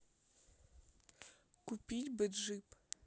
купить бы джип